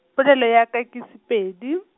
polelo ya ka ke Sepedi.